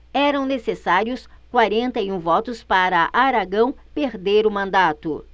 eram necessários quarenta e um votos para aragão perder o mandato